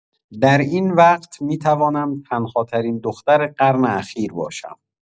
در این وقت می‌توانم تنهاترین دختر قرن اخیر باشم.